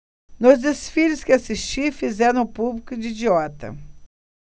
nos desfiles que assisti fizeram o público de idiota